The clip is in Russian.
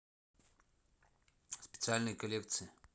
специальные коллекции